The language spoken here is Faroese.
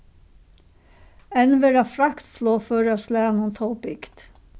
enn verða fraktflogfør av slagnum tó bygd